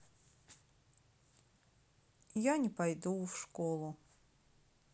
я не пойду в школу